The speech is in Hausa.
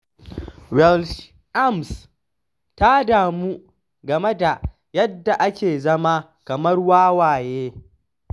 Welsh AMs ta damu game da 'yadda ake zama kamar wawaye'